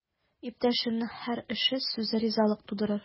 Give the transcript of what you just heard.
Иптәшеңнең һәр эше, сүзе ризалык тудырыр.